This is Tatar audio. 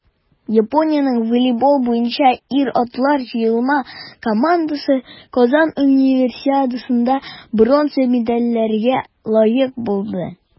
Япониянең волейбол буенча ир-атлар җыелма командасы Казан Универсиадасында бронза медальләргә лаек булды.